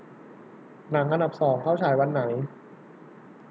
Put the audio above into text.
หนังอันดับสองเข้าฉายวันไหน